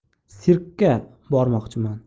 sirkga bormoqchiman